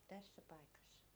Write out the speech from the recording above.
tässä paikassa